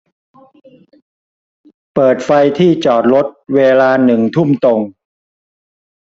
เปิดไฟที่จอดรถเวลาหนึ่งทุ่มตรง